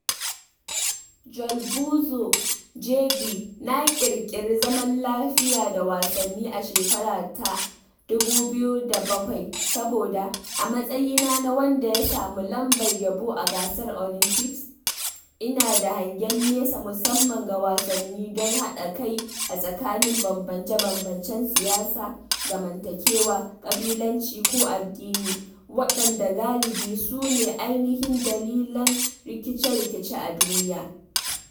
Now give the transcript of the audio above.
Joël Bouzou (JB): Na ƙirƙiri zaman lafiya da wasanni a shekara ta 2007 saboda, a matsayina na wanda ya samu lambar yabo a gasar Olympics, ina da hangen nesa musamman ga wasanni don haɗa kai a tsakanin bambance-bambancen siyasa, zamantakewa, kabilanci ko addini, waɗanda galibi sune ainihin dalilan rikice-rikice a duniya.